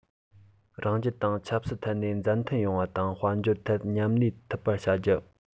རང རྒྱལ དང ཆབ སྲིད ཐོག ནས མཛའ མཐུན ཡོང བ དང དཔལ འབྱོར ཐད མཉམ ལས ཐུབ པ བྱ རྒྱུ